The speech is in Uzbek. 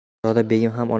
xonzoda begim ham